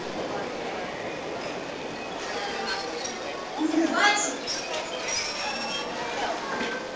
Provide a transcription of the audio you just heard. ну хватит